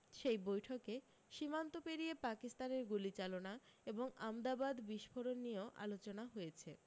সেই বৈঠকে সীমান্ত পেরিয়ে পাকিস্তানের গুলি চালনা এবং আমদাবাদ বিস্ফোরণ নিয়েও আলোচনা হয়েছে